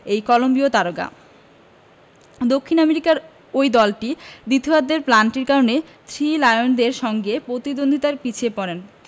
এই কলম্বিয় তারকা দক্ষিণ আমেরিকার ওই দলটি দ্বিতীয়ার্ধের প্লান্টির কারণে থ্রি লায়নদের সঙ্গে পতিদ্বন্দ্বিতায় পিছিয়ে পড়ে